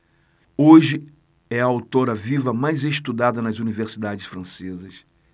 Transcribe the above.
hoje é a autora viva mais estudada nas universidades francesas